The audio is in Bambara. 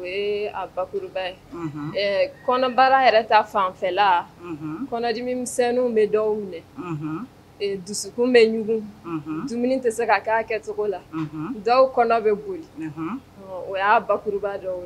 Ba kɔnɔbara yɛrɛ fanfɛla kɔnɔdimisɛnw bɛ dɔw minɛ dusukun bɛ ɲ dumuni tɛ se ka kɛ kɛcogo la dɔw kɔnɔ bɛ boli o y'a baba dɔw